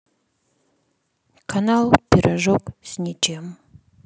канал пирожок с ничем